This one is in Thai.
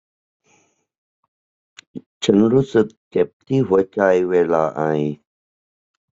ฉันรู้สึกเจ็บที่หัวใจเวลาไอ